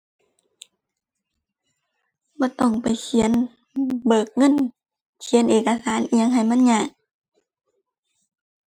บ่ต้องไปเขียนเบิกเงิน เขียนเอกสารอิหยังให้มันยาก